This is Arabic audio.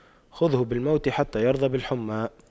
خُذْهُ بالموت حتى يرضى بالحُمَّى